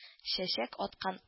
Чәчәк аткан